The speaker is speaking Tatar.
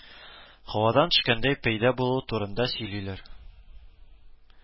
Һавадан төшкәндәй пәйда булуы турында сөйлиләр